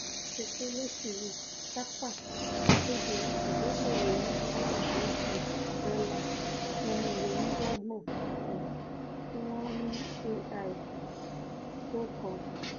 Àtipé lóṣù yìí DARPA kéde ìdókòòwò oní-bílíọ̀nù méjì dọ́là nínú ìrònú-dọgbọ́n kan tí wọ́n pè ni AI Tókàn.